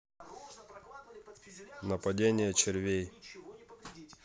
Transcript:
нападение червей